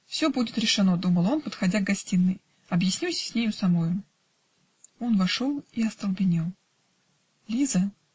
"Все будет решено, -- думал он, подходя к гостиной, -- объяснюсь с нею самою". -- Он вошел. и остолбенел! Лиза.